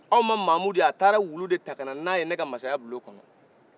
aw ma mamudu ye a taara wulu de ta kana na ye ne ka maasaya bulon kɔnɔ